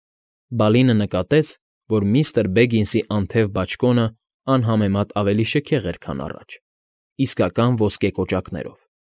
Բալինը նկատեց, որ միստր Բեգինսի անթև բաճկոնը անհամեմատ ավելի շքեղ էր, քան առաջ, իսկական ոսկե կոճակներով։